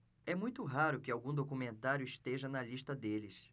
é muito raro que algum documentário esteja na lista deles